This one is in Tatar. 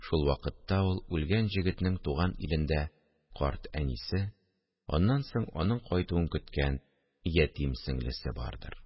Шул вакытта ул үлгән җегетнең туган илендә карт әнисе, аннан соң аның кайтуын көткән ятим сеңлесе бардыр